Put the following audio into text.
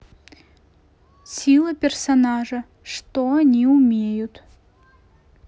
сила персонажа что они умеют